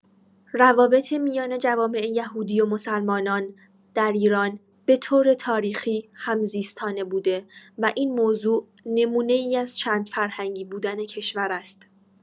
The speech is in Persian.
روابط میان جوامع یهودی و مسلمان در ایران به‌طور تاریخی همزیستانه بوده و این موضوع نمونه‌ای از چندفرهنگی بودن کشور است.